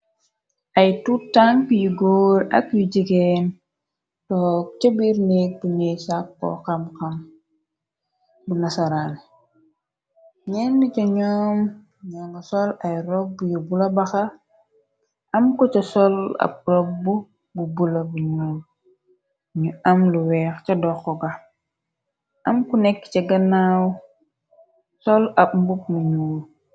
Ay tuu-tamk yi góor ak yu jigeen toog ca biir neek buñuy sàkkoo xam xam bu nasaraan ñenn ca ñoom ña nga sol ay robb yu bula baxa am ko ca sol ab rob b bu bula bu ñu am lu weex ca doxo ga am ko nekk ca ganaaw sol ab mbug muñuu.